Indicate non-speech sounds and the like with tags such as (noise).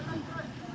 (hesitation) (crosstalk)